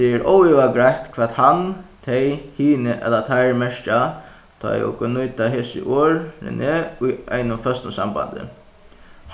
tað er óivað greitt hvat hann tey hini ella teir merkja tá ið okur nýta hesi orð í einum føstum sambandi